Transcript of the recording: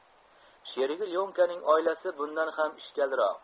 sherigi lyonkaning oilasi bundan ham ishkalroq